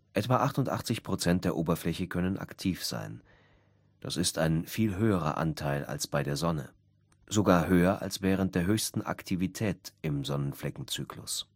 Etwa 88 % der Oberfläche könnten aktiv sein; das ist ein viel höherer Anteil als bei der Sonne, sogar höher als während der höchsten Aktivität im Sonnenfleckenzyklus